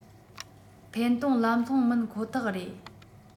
འཕེན གཏོང ལམ ལྷོངས མིན ཁོ ཐག རེད